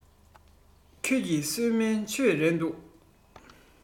ཁྱེད ཀྱིས གསོལ སྨན མཆོད རན འདུག